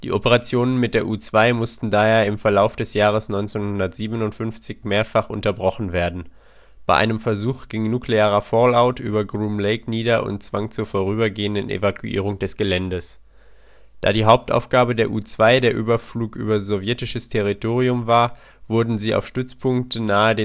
Operationen mit der U-2 mussten daher im Verlauf des Jahres 1957 mehrfach unterbrochen werden. Bei einem Versuch ging nuklearer Fallout über Groom Lake nieder und zwang zur zeitweisen Evakuierung des Geländes. Da die Hauptaufgabe der U-2 der Überflug über sowjetisches Territorium war, wurden sie auf Stützpunkte nahe